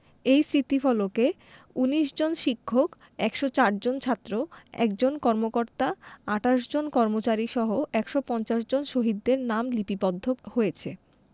এই স্থিতিফলকে ১৯ জন শিক্ষক ১০৪ জন ছাত্র ১ জন কর্মকর্তা ২৮ জন কর্মচারীসহ ১৫০ জন শহীদের নাম লিপিবদ্ধ হয়েছে